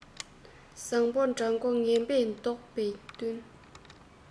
བཟང པོ དགྲ མགོ ངན པས བཟློག པས བསྟུན